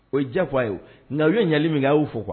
O ye jafa a ye na ye ɲali min k a y'o fɔ kuwa